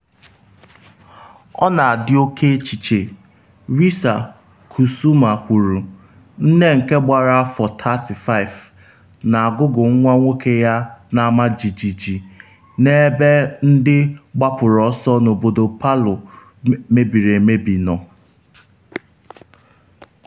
“Ọ na-adị oke echiche,” Risa Kusuma kwuru, nne nke gbara afọ 35, na-agụgụ nwa nwoke ya na-amajiji n’ebe ndị gbapụrụ ọsọ n’obodo Palu mebiri emebi nọ.